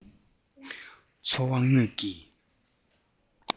འཚོ བ དངོས ཀྱི